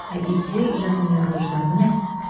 Ә Илсөя иҗатын яратучылар менә!